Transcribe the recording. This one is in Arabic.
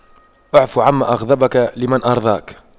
اعف عما أغضبك لما أرضاك